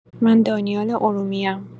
من دانیال ارومیه‌ام